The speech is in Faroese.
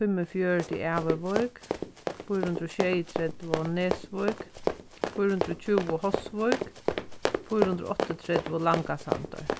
fimmogfjøruti æðuvík fýra hundrað og sjeyogtretivu nesvík fýra hundrað og tjúgu hósvík fýra hundrað og áttaogtretivu langasandur